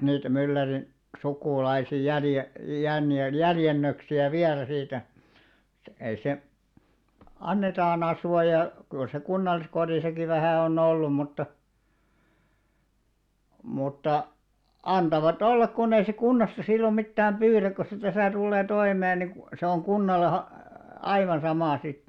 niitä myllärin sukulaisia -- jäljennöksiä vielä siitä ei se annetaan asua ja kyllä se kunnalliskodissakin vähän on ollut mutta mutta antavat olla kun ei se kunnasta silloin mitään pyydä kun se tässä tulee toimeen niin - se on kunnalle - aivan sama sitten